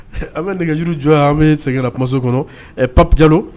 An bɛ nɛgɛjuru jɔ ye an bɛ sɛgɛnra tasumaso kɔnɔ ɛ papi jalo